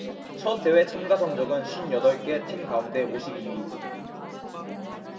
첫 대회 참가 성적은 쉰 여덟 개 팀 가운데 오십 이 위